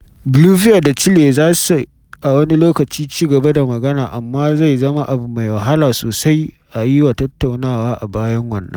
Bolivia da Chile za su a wani lokaci ci gaba da magana, amma zai zama abu mai wahala sosai a yi wa tattaunawa a bayan wannan.